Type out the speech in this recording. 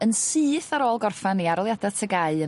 Yn syth ar ôl gorffan 'i arholiada Ty Gau yn...